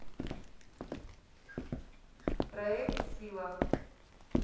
проект сила